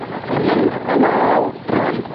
Dw i'n mynd yn ôl rŵan.